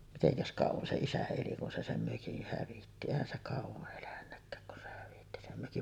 mitenkäs kauan se isä eli kun se sen mökin hävitti eihän se kauan elänytkään kun se hävitti sen mökin